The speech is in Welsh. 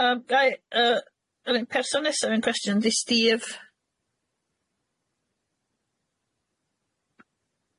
Yym gai yy yr un person nesa mewn cwestiwn ydi Steve?